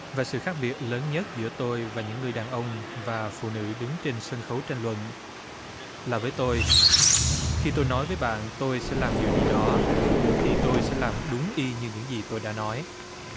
và sự khác biệt lớn nhất giữa tôi và những người đàn ông và phụ nữ đứng trên sân khấu tranh luận là với tôi khi tôi nói với bạn tôi sẽ làm điều gì đó thì tôi sẽ làm đúng y như những gì tôi đã nói